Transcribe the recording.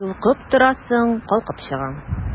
Йолкып торасың, калкып чыга...